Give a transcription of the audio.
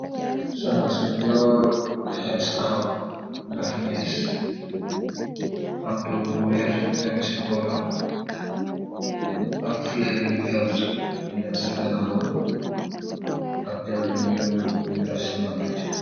Soxna su njool xess taxaw daf mess am toogu bu weex bu neka ci boram ak flor yi verte bu neka ci ganawam ak tele bu nuul bun taf ci marac.